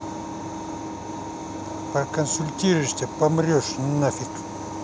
проконсультируешься помрешь на фиг